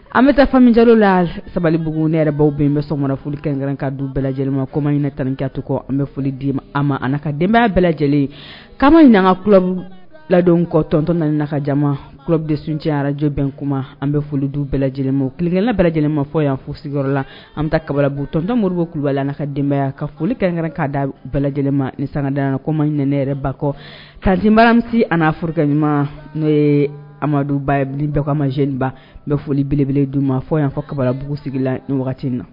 An bɛ taa famijarro la sabalibugu ne yɛrɛbaw bɛ so foli kɛrɛnrɛn ka du bɛɛ lajɛlenma koma ɲ 1kɛ to kɔ an bɛ foli di an ma an ka denbaya bɛɛ lajɛlen kaana ɲinka kulo ladon kɔ tɔn9 na na ka jama ku deuncɛyara arajobɛn kuma an bɛ foli du bɛɛ lajɛlenma ki-kɛla bɛɛ lajɛlenma fɔ y'an fɔ sigiyɔrɔ la an bɛ kababu tɔnontanmo moriba ku kulubalibala an' ka denbaya a ka foli kɛrɛn ka da bɛɛ lajɛlenma ni sangada na kɔma ɲin ne yɛrɛ bakɔ 1tebaya anf furakɛkɛ ɲuman n'o ye amaduba bi dɔmazye ban n bɛ foli belebele di u ma fɔ y'a fɔ kababugu sigi la ni wagati in na